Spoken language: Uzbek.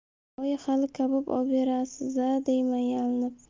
oyi hali kabob oberasiz a deyman yalinib